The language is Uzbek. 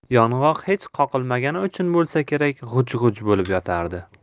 yong'oq hech qoqilmagani uchun bo'lsa kerak g'uj g'uj bo'lib yotardi